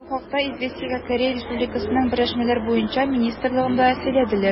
Бу хакта «Известия»гә Корея Республикасының берләшмәләр буенча министрлыгында сөйләделәр.